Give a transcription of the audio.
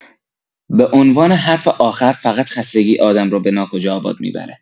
به عنوان حرف آخر، فقط خستگی آدم رو به ناکجا آباد می‌بره.